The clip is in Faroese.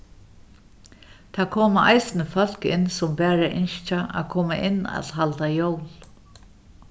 tað koma eisini fólk inn sum bara ynskja at koma inn at halda jól